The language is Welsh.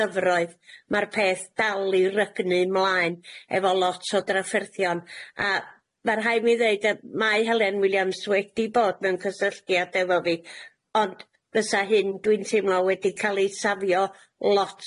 dyfroedd, ma'r peth dal i rygnu mlaen efo lot o drafferthion a ma' rhai' mi ddeud yy mae Helen Williams wedi bod mewn cysylltiad efo fi ond fysa hyn dwi'n teimlo wedi ca'l ei safio lot